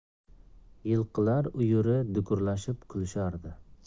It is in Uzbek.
yilqilar uyuri dukurlashib kelishardi